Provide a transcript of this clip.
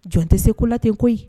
Jɔn tɛ se ko la ten koyi